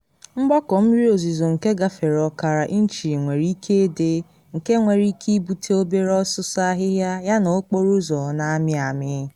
Mgbakọ mmiri ozizo nke gafere ọkara inchi nwere ike ịdị, nke nwere ike ibute obere ọsụsọ ahịhịa yana okporo ụzọ na amị amị.